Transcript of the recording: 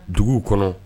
Dugu kɔnɔ